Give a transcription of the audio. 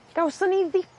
Gawson ni